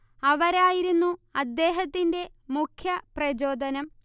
അവരായിരുന്നു അദ്ദേഹത്തിന്റെ മുഖ്യപ്രചോദനം